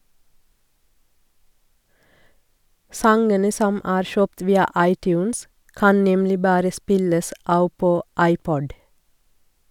Sangene som er kjøpt via iTunes, kan nemlig bare spilles av på iPod.